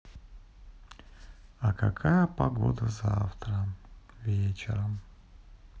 а какая погода завтра вечером